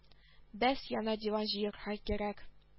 Бәс янә диван җыярга кирәк